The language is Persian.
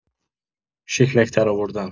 شکلک درآوردن